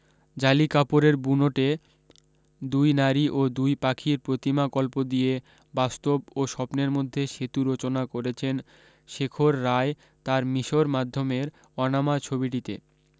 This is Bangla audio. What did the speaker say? জালি কাপড়ের বুনোটে দুই নারী ও দুটি পাখির প্রতিমাকল্প দিয়ে বাস্তব ও স্বপ্নের মধ্যে সেতু রচনা করেছেন শেখর রায় তার মিশর মাধ্যমের অনামা ছবিটিতে